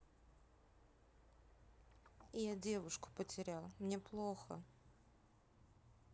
я девушку потерял мне плохо